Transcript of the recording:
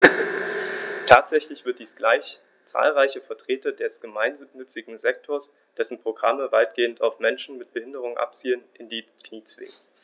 Tatsächlich wird dies gleich zahlreiche Vertreter des gemeinnützigen Sektors - dessen Programme weitgehend auf Menschen mit Behinderung abzielen - in die Knie zwingen.